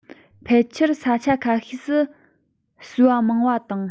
ཕལ ཆེར ས ཆ ཁ ཤས སུ གསོས པ མང བ དང